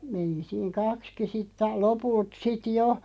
meni siinä kaksikin sitten - lopulta sitten jo